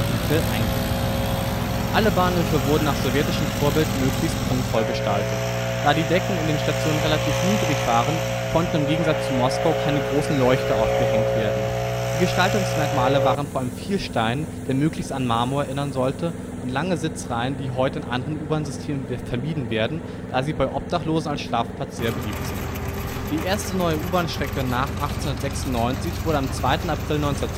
Hotel, eingefügt. Alle Bahnhöfe wurden nach sowjetischem Vorbild möglichst prunkvoll gestaltet. Da die Decken in den Stationen relativ niedrig waren, konnten im Gegensatz zu Moskau keine großen Leuchter aufgehängt werden. Die Gestaltungsmerkmale waren vor allem viel Stein, der möglichst an Marmor erinnern sollte, und lange Sitzreihen, die heute in anderen U-Bahn-Systemen vermieden werden, da sie bei Obdachlosen als Schlafplatz sehr beliebt sind. Die erste neue U-Bahnstrecke nach 1896 wurde am 2. April 1970